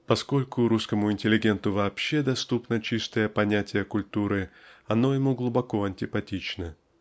Поскольку русскому интеллигенту вообще доступно чистое понятие культуры оно ему глубоко антипатично.